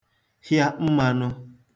hịa mmānụ̄